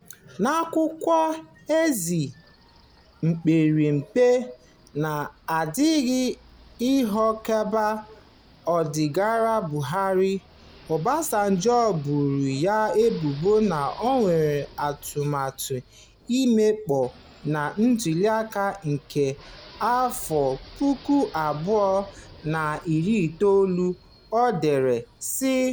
N'akwụkwọ ozi mepere emepe a na-adịghị ahụkebe o degaara Buhari, Obasanjo boro ya ebubo na o nwere atụmatụ ime mpụ na ntụliaka nke 2019. O dere, sị: